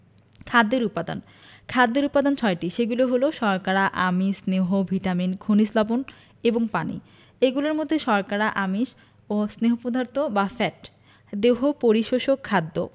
খাদ্যের উপাদান খাদ্যের উপাদান ছয়টি সেগুলো হলো শর্করা আমিষ স্নেহ ভিটামিন খনিজ লবন এবং পানি এগুলোর মধ্যে শর্করা আমিষ ও স্নেহ পদার্থ বা ফ্যাট দেহ পরিপোষক খাদ্য